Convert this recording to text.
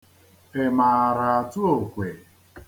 Ị maara atụ okwe?